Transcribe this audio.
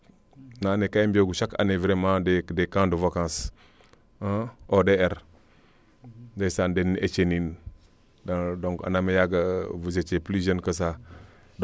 na ando naye kaa i mbiyoogu chaque année vraiment des can de vacance ODR ndeysan deniin Ethiene niin donc andaame yaga vous etiez plus jeune que ca